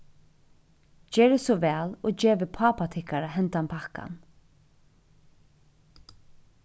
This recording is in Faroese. gerið so væl og gevið pápa tykkara hendan pakkan